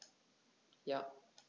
Ja.